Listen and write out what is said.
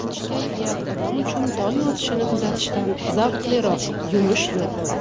xushkayfiyat odam uchun tong otishini kuzatishdan zavqliroq yumush yo'q